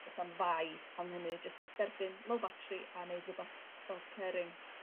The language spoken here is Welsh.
do's 'na'm fai am hynny jyst derbyn low batri a neud rwbath self caring